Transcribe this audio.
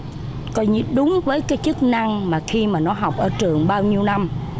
coi như đúng với cái chức năng mà khi mà nó học ở trường bao nhiêu năm